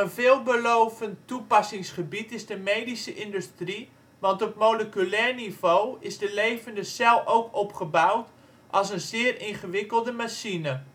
veelbelovend toepassingsgebied is de medische industrie want op moleculair niveau is de levende cel ook opgebouwd als een (zeer ingewikkelde) machine